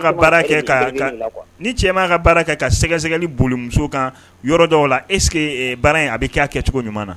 ka baara kɛ ka ni cɛ ka baara kɛ ka sɛgɛsɛgɛli bolimuso kan yɔrɔ dɔw la eseke a bɛ kɛ cogo ɲuman na